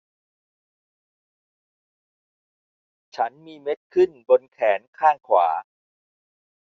ฉันมีเม็ดขึ้นบนแขนข้างขวา